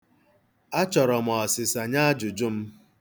Achọrọ m ọsịsa nye ajụjụ m.